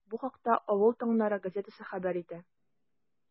Бу хакта “Авыл таңнары” газетасы хәбәр итә.